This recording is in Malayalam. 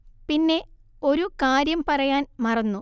പിന്നെ ഒരു കാര്യം പറയാന്‍ മറന്നു